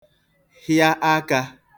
hịa akā